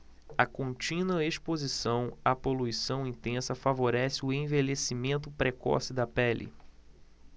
a contínua exposição à poluição intensa favorece o envelhecimento precoce da pele